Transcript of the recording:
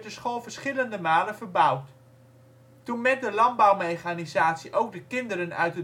school verschillende malen verbouwd. Toen met de landbouwmechanisatie ook de kinderen uit